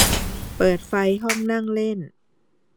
เปิดไฟห้องนั่งเล่น